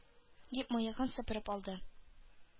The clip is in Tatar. Дип, мыегын сыпырып алды.